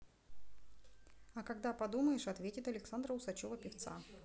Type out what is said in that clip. а когда подумаешь ответит александра усачева певца